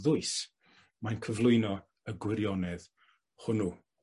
ddwys mae'n cyflwyno y gwirionedd hwnnw.